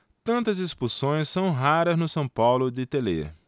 tantas expulsões são raras no são paulo de telê